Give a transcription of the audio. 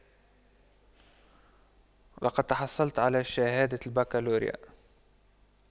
لقد تحصلت على شهادة البكالوريا